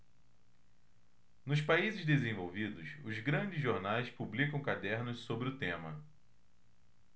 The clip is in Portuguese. nos países desenvolvidos os grandes jornais publicam cadernos sobre o tema